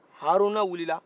haruna wulila